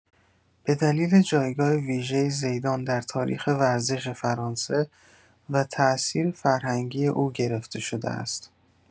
به دلیل جایگاه ویژه زیدان در تاریخ ورزش فرانسه و تاثیر فرهنگی او گرفته‌شده است.